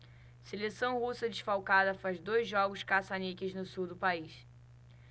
seleção russa desfalcada faz dois jogos caça-níqueis no sul do país